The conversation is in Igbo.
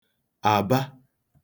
àba